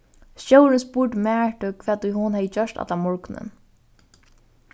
stjórin spurdi maritu hvat ið hon hevði gjørt allan morgunin